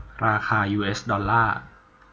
ราคายูเอสดอลล่าร์